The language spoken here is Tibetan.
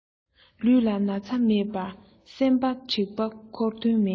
ལུས ལ ན ཚ མེད པར སེམས ལ དྲེག པ ཁུར དོན མེད